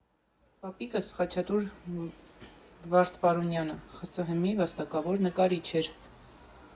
Պապիկս՝ Խաչատուր Վարդպարոնյանը, ԽՍՀՄ֊ի վաստակավոր նկարիչ էր։